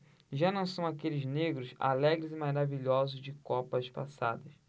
já não são aqueles negros alegres e maravilhosos de copas passadas